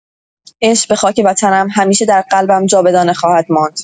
عشق به خاک وطنم همیشه در قلبم جاودانه خواهد ماند.